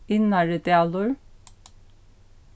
innaridalur